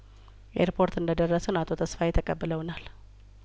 ኤርፖርት እንደደረስን አቶ ተስፋዬ ተቀብለውናል